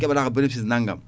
keeɓata ko bénéfice nagam